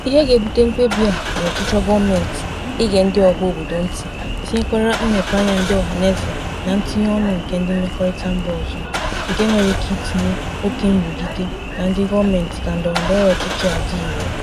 ZR: Ihe ga-ebute mkpebi a bụ ọchịchọ gọọmentị ị gee ndị ọhaobodo ntị, tinyekwara mmepeanya ndị ọhanaeze na ntinye ọnụ nke ndị mmekọrịta mba ọzọ nke nwere ike itinye oke nrụgide na ndị gọọmentị ka ndọrọndọrọ ọchịchị a dị irè.